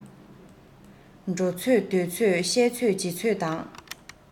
འགྲོ ཚོད སྡོད ཚོད བཤད ཚོད བྱེད ཚོད དང